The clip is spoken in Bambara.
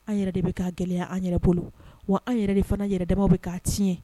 An yɛrɛ de bɛ ka gɛlɛya an yɛrɛ bolo wa an yɛrɛ de fana yɛrɛ dama bɛ k' tiɲɛ